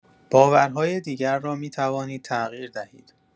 باورهای دیگر را می‌توانید تغییر دهید.